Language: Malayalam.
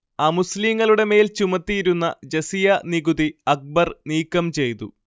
അമുസ്ലീങ്ങളുടെ മേൽ ചുമത്തിയിരുന്ന ജസിയ നികുതി അക്ബർ നീക്കംചെയ്തു